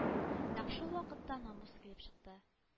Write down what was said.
Нәкъ шулвакытта намус килеп чыкты